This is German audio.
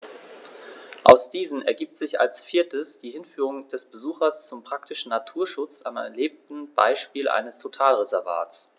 Aus diesen ergibt sich als viertes die Hinführung des Besuchers zum praktischen Naturschutz am erlebten Beispiel eines Totalreservats.